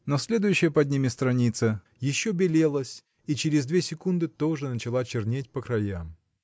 но следующая под ними страница еще белелась и через две секунды тоже начала чернеть по краям.